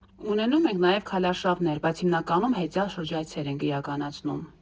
Ունենում ենք նաև քայլարշավներ, բայց հիմնականում հեծյալ շրջայցեր ենք իրականացնում։